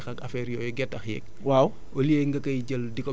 mu am ay résidus de culture